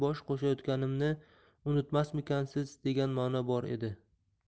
bosh qo'shayotganimni unutmasmikansen degan mano bor edi